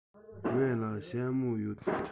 ང ལ ཞྭ མོ ཡོད